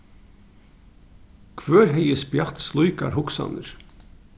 hvør hevði spjatt slíkar hugsanir